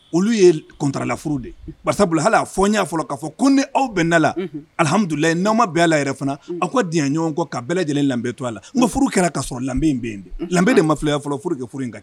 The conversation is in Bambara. Olu ye kuntalaf de walasabu halila fɔ n y'a fɔlɔ k'a fɔ kodi aw bɛnda la alihamududula n'aw ma bɛla yɛrɛ fana a ko di ɲɔgɔn kɔ ka bɛɛ lajɛlen labe to la n furuuru kɛra kasɔrɔ danbe bɛ yen de labe de ma filaya fɔlɔ furu kɛ furu in ka